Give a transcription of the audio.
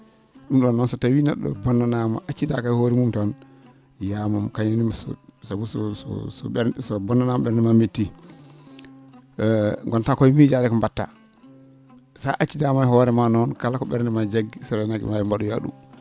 ?um ?on noon so tawii ne??o o bonnaama accidaaka e hoore mum tan yamam* kañum so sabu so so so ?ernde so a bonnanaama ?ernde maa mettii gontaa koye miijaade ko mba?ataa so a accidaama e hoore maa noon kala ko ?ernde maa jaggi so a reenaaki no waawi mba?oyaa ?um